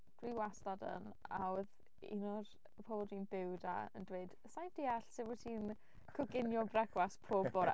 Dwi wastad yn, a oedd un o'r pobl dwi'n byw 'da yn dweud "sa i'n deall sut wyt ti'n coginio brecwast pob bore".